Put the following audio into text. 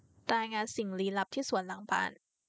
รายงานสิ่งลี้ลับที่สวนหลังบ้าน